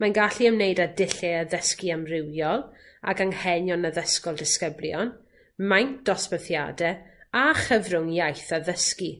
Mae'n gallu ymwneud â dullie addysgu amrywiol ag anghenion addysgol disgyblion maint dosbarthiade a chyfrwng iaith addysgu.